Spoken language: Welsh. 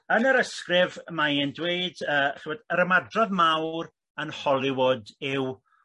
yn yr ysgrif mae e'n dweud yy ch'mbod yr rymadrodd mawr yn Holywood